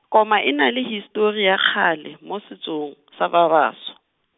koma e na le histori ya kgale, mo setšong sa babaso.